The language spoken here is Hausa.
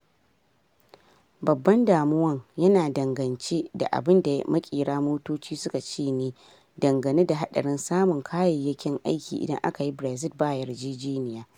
Babban damuwan yana dangance da abun da makera motoci suka ce ne dangane da hadarin samun kayayyakin aiki idan akayi Brexit ba yarjejeniya.